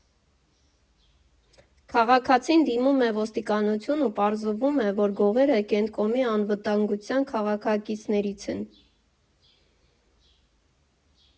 Քաղաքացին դիմում է ոստիկանություն ու պարզվում է, որ գողերը Կենտկոմի անվտանգության աշխատակիցներից են։